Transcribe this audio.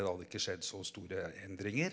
det hadde ikke skjedd så store endringer.